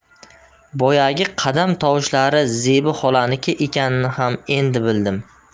boyagi qadam tovushlari zebi xolaniki ekanini ham endi bildim